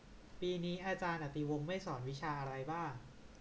ปีนี้อาารย์อติวงศ์ไม่สอนวิชาอะไรบ้าง